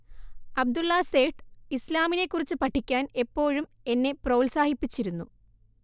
അബ്ദുള്ള സേഠ് ഇസ്ലാമിനേക്കുറിച്ച് പഠിക്കാൻ എപ്പോഴും എന്നെ പ്രോത്സാഹിപ്പിച്ചിരുന്നു